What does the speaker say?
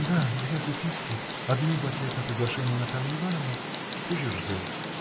— Да, две записки, одну в ответ на приглашение Натальи Ивановны. Кучер ждет.